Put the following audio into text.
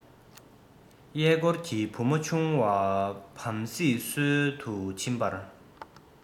གཡས བསྐོར གྱིས བུ མོ ཆུང བ བམ སྲིད འཚོལ དུ ཕྱིན པར